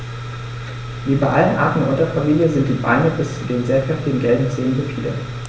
Wie bei allen Arten der Unterfamilie sind die Beine bis zu den sehr kräftigen gelben Zehen befiedert.